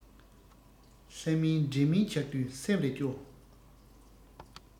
ལྷ མིན འདྲེ མིན ཆགས དུས སེམས རེ སྐྱོ